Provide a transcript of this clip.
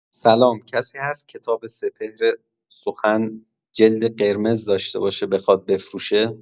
سلام کسی هست کتاب سپهر سخن جلد قرمز داشته باشه بخواد بفروشه؟